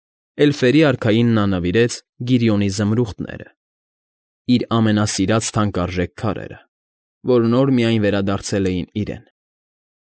Էլֆերի արքային նա նվիրեց Գիրիոնի զմրուխտները, իր ամենասիրած թանկարժեք քարերը, որ նոր միայն վերադարձել էին իրեն։